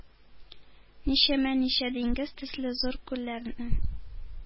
Ничәмә-ничә диңгез төсле зур күлләрне,